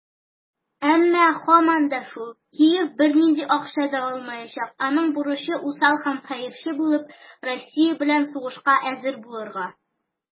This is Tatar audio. Әмма, һаман да шул, Киев бернинди акча да алмаячак - аның бурычы усал һәм хәерче булып, Россия белән сугышка әзер булырга.